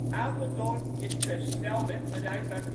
Apeldoorn is per snelweg bereikbaar